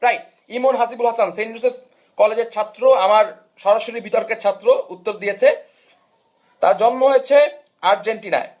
right Emon Hasibul Hasan Saint Joseph কলেজের ছাত্র আমার সরাসরি বিতর্ক এর ছাত্র উত্তর দিয়েছে তার জন্ম হয়েছে আর্জেন্টিনা